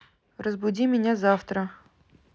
разбуди меня завтра